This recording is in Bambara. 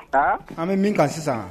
A an bɛ min ka sisan